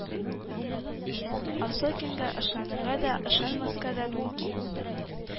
Осокинга ышанырга да, ышанмаска да мөмкин.